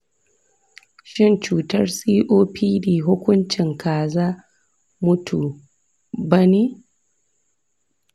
shin cutar copd hukuncin kaza-mutu ba ne?